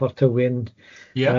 Port Ywyn ie.